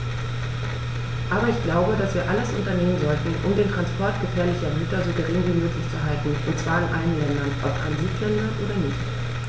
Aber ich glaube, dass wir alles unternehmen sollten, um den Transport gefährlicher Güter so gering wie möglich zu halten, und zwar in allen Ländern, ob Transitländer oder nicht.